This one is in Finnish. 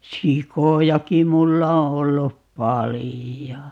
sikojakin minulla on ollut paljon